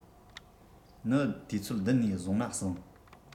ནི དུས ཚོད བདུན ནས བཟུང ན བཟང